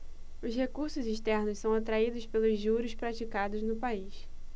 os recursos externos são atraídos pelos juros praticados no país